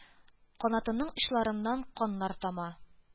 Канатының очларыннан каннар тама,